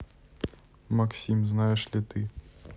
максим знаешь ли ты